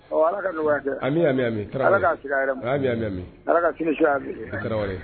Ɔ Ala ka nɔgɔya kɛ ami ami ami Traoré A la k'a segin a yɛrɛma aami ami ami Ala ka sinin fsaya bi ye i Traoré